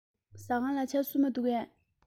ཟ ཁང ལ ཇ སྲུབས མ འདུག གས